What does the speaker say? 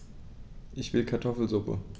Ich will Kartoffelsuppe.